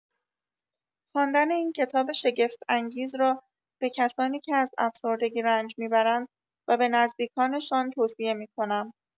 خواندن این کتاب شگفت‌انگیز را یه کسانی که از افسردگی رنج می‌برند و به نزدیکانشان توصیه می‌کنم.